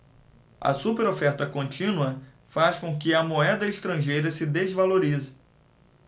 a superoferta contínua faz com que a moeda estrangeira se desvalorize